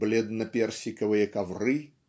"бледно-персиковые ковры"